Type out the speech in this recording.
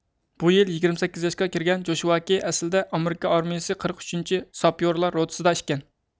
بۇ يىل يىگىرمە سەككىز ياشقا كىرگەن جوشۋاكىي ئەسلىدە ئامېرىكا ئارمىيىسى قىرىق ئۈچىنچى ساپيۇرلار روتىسىدا ئىكەن